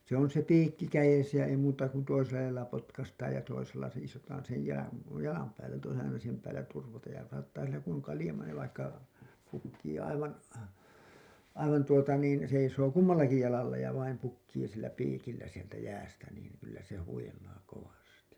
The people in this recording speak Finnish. se on se piikki kädessä ja ei muuta kuin toisella jalalla potkaistaan ja toisella seisotaan sen jalan jalan päällä ja toinen aina siihen päälle turvataan ja saattaa sillä kun on kaljama niin vaikka pukkii aivan aivan tuota niin seisoo kummallakin jalalla ja vain pukkii sillä piikillä sieltä jäästä niin kyllä se huilaa kovasti